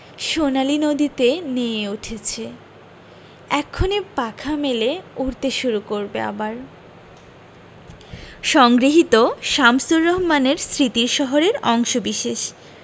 সোনালি নদীতে নেয়ে উঠেছে এক্ষুনি পাখা মেলে উড়তে শুরু করবে আবার সংগৃহীত শামসুর রহমানের স্মৃতির শহর এর অংশবিশেষ